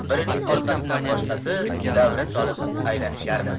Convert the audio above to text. birining orqasidan boshqasi davra solib aylanishardi